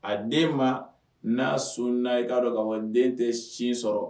A den ma n’a sunna i k'a dɔn ka fɔ den tɛ sin sɔrɔ